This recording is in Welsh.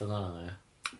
...o'dd wnna ia?